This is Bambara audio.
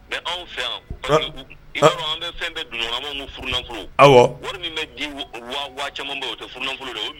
Bɛ anw fɛ yan an bɛ fɛn bɛɛ donw fanfolo wari min bɛ di wa caman bɛ o tɛ fanfolo don